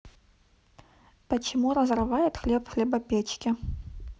почему разрывает хлеб в хлебопечке